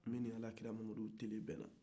ni min ni alakira tile bɛnna